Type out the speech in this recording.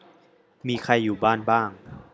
มีใครอยู่บ้านบ้าง